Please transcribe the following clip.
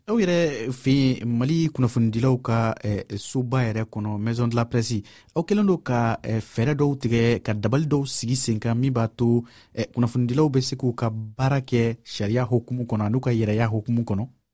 aw yɛrɛ fɛ mali kunnafonidilaw ka soba yɛrɛ kɔnɔ maison de la presi aw kɛlen don ka fɛɛrɛ dɔw tigɛ ka dabali dɔw sigi sen kan min b'a to kunnafonidilaw bɛ se k'u ka baara kɛ sariya hukumu kɔnɔ ani u ka yɛrɛya hukumu kɔnɔ